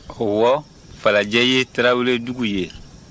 ɔwɔ falajɛ ye taraweledugu ye